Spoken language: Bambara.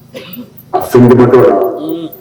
A so mɔgɔ dɔ t'o la